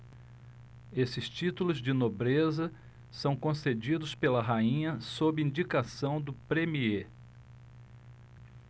esses títulos de nobreza são concedidos pela rainha sob indicação do premiê